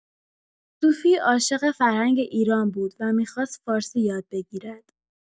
سوفی عاشق فرهنگ ایران بود و می‌خواست فارسی یاد بگیرد.